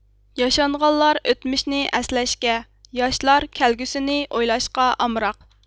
ياشانغانلار ئۆتمۈشنى ئەسلەشكە ياشلار كەلگۈسىنى ئويلاشقا ئامراق